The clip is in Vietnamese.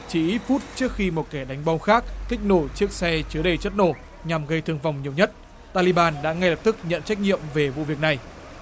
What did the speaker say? chỉ phút trước khi một kẻ đánh bom khác kích nổ chiếc xe chứa đầy chất nổ nhằm gây thương vong nhiều nhất ta li ban đã ngay lập tức nhận trách nhiệm về vụ việc này